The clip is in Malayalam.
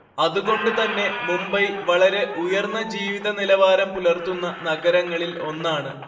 അതുകൊണ്ടു തന്നെ മുംബൈ വളരെ ഉയര്‍ന്ന ജീവിത നിലവാരം പുലര്‍ത്തുന്ന നഗരങ്ങളില്‍ ഒന്നാണ്‌